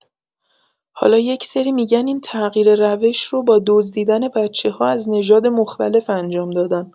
حالا یکسری می‌گن این تغییر روش رو با دزدیدن بچه‌ها از نژاد مختلف انجام دادن